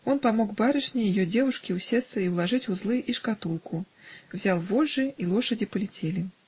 Он помог барышне и ее девушке усесться и уложить узлы и шкатулку, взял вожжи, и лошади полетели.